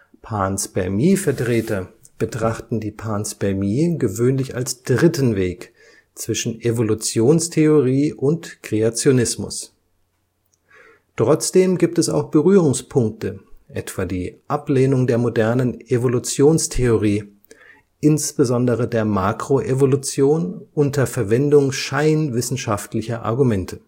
Panspermie-Vertreter betrachten die Panspermie gewöhnlich als dritten Weg zwischen Evolutionstheorie und Kreationismus. Trotzdem gibt es auch Berührungspunkte, etwa die Ablehnung der modernen Evolutionstheorie, insbesondere der Makroevolution, unter Verwendung scheinwissenschaftlicher Argumente